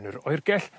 yn yr oergell